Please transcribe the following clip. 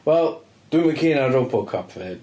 Wel, dwi'm yn keen ar Robocop fy hun.